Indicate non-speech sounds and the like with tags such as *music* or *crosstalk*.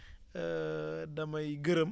*hesitation* damay gërëm